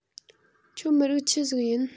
ཁྱོད མི རིགས ཆི ཟིག ཡིན